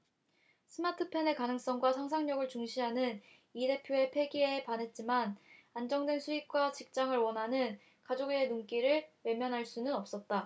스마트펜의 가능성과 상상력을 중시하는 이 대표의 패기에 반했지만 안정된 수입과 직장을 원하는 가족의 눈길을 외면할 수는 없었다